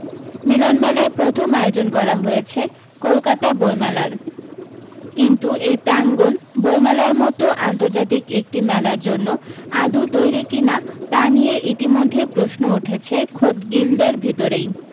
মিলনমেলায় প্রথম আয়োজন করা হয়েছে কলকাতা বৈমেলার কিন্তু এই প্রাঙ্গন বৈমেলার মতো আন্তর্জাতিক একটি মেলার জন্য আদু তৈরী কিনা তা নিয়ে ইতিমধ্যেই প্রশ্ন উঠেছে খোদ গিল্ডের ভিতরেই